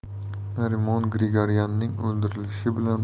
narimon grigoryanning o'ldirilishi